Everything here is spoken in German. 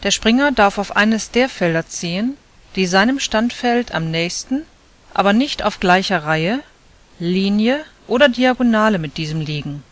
Springer darf auf eines der Felder ziehen, die seinem Standfeld am nächsten, aber nicht auf gleicher Reihe, Linie oder Diagonale mit diesem liegen